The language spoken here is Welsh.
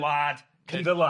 wlad Cynddylan.